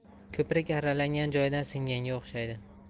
ko'prik arralangan joyidan singanga o'xshaydi